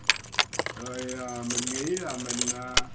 rồi à mình nghĩ là mình à